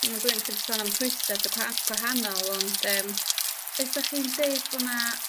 m- ma' ddwy onoch chi 'di sôn am rhwystra dy- gwa- gwahanol ond yym be 'sach chi'n deud bo' 'na